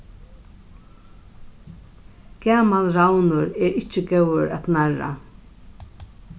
gamal ravnur er ikki góður at narra